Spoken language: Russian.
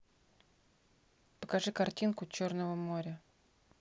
покажи картинку черного моря